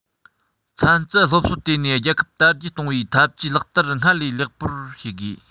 ཚན རྩལ སློབ གསོར བརྟེན ནས རྒྱལ ཁབ དར རྒྱས གཏོང བའི འཐབ ཇུས ལག བསྟར སྔར ལས ལེགས པར བྱ དགོས